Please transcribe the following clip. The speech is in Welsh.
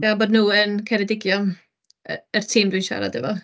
meddwl bod nhw yn Ceredigion y yr tîm dwi'n siarad efo.